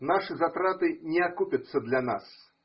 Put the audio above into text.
Наши затраты не окупятся для нас.